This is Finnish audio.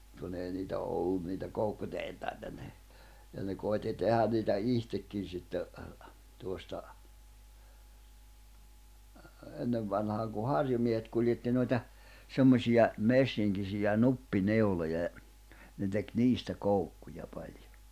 kun ei niitä ollut niitä koukkutehtaita ne ja ne koetti tehdä niitä itsekin sitten tuosta ennen vanhaan kun harjumiehet kuljetti noita semmoisia messinkisiä nuppineuloja ja ne teki niistä koukkuja paljon